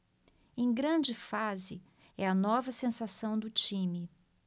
em grande fase é a nova sensação do time